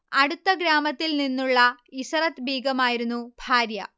അടുത്ത ഗ്രാമത്തിൽ നിന്നുള്ള ഇശ്റത് ബീഗമായിരുന്നു ഭാര്യ